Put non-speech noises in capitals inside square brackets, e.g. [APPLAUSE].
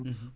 [HESITATION] [HESITATION]